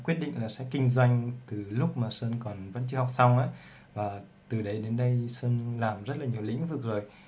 sơn quyết định sẽ theo đuổi kinh doanh từ lúc chưa học xong từ đó đến bây giờ sơn làm rất nhiều lĩnh vực